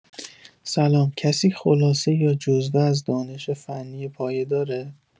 سلام، کسی خلاصه یا جزوه از دانش فنی پایه داره؟